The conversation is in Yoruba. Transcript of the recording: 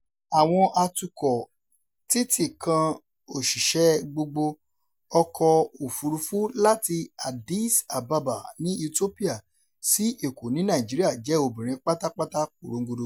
Awọn atukọ̀ títí kan òṣìṣẹ́ gbogbo, ọkọ̀ òfuurufú láti Addis Ababa ní Ethiopia sí Èkó ní Nàìjíríà — jẹ́ obìnrin pátápátá porongodo.